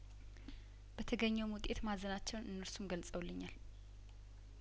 በተገኘ ውም ውጤት ማዘናቸውን እነርሱም ገልጸውልኛል